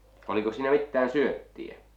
oliko siinä mitään syöttiä